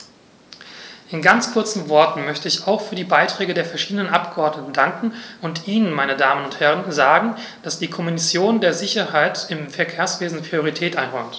In ganz kurzen Worten möchte ich auch für die Beiträge der verschiedenen Abgeordneten danken und Ihnen, meine Damen und Herren, sagen, dass die Kommission der Sicherheit im Verkehrswesen Priorität einräumt.